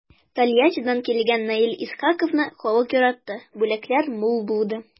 Тольяттидан килгән Наил Исхаковны халык яратты, бүләкләр мул булды.